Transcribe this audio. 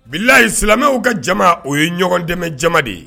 Bilayi ye silamɛmɛw ka jama o ye ɲɔgɔn dɛmɛ jama de ye